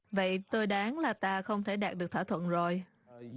vậy tôi đoán là ta không thể đạt được thỏa thuận rồi